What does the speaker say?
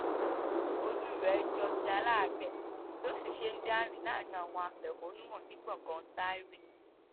Ojú rẹ̀ jọ ti aláàárẹ̀, bí ó ṣe ń dá rìn láàárín àwọn afẹ̀hónúhàn ní gbọ̀ngàn Tahrir.